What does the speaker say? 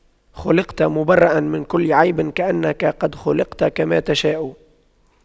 خلقت مُبَرَّأً من كل عيب كأنك قد خُلقْتَ كما تشاء